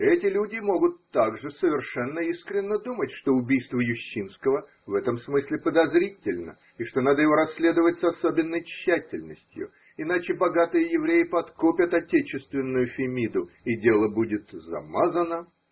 Эти люди могут также совершенно искренно думать, что убийство Ющинского в этом смысле подозрительно и что надо его расследовать с особенной тщательностью, иначе богатые евреи подкупят отечественную Фемиду, и дело будет замазано.